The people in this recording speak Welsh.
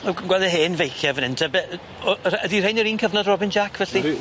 gweld yr hen feicie fyn 'yn te be- yy o- yy ydi rhein yr un cyfnod Robin Jac felly? Ydi.